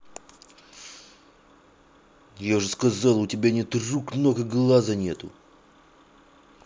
я же сказала у тебя нет рук ног и глаза нету